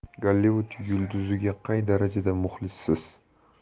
gollivud yulduziga qay darajada muxlissiz